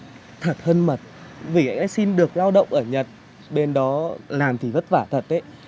thật hơn mật vì anh xin được lao động ở nhật bên đó làm thì vất vả thật đấy